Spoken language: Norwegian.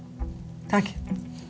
takk.